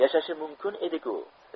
yashashi mumkin edi ku